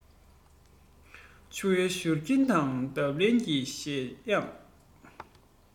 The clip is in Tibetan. ཆུ བོའི བཞུར རྒྱུན དང འདབ ལྡན གྱི བཞད དབྱངས